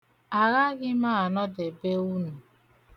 Agaghị m anọdebe unu.